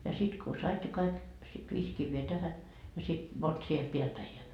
ja sitten kun sait ne kaikki sitten viisi kiveä tähän ja sitten monta siellä päällä päin ja